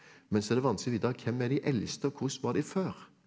men så er det vanskelig å vite hvem er de eldste og hvordan var de før?